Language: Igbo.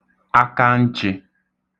nwe akantachị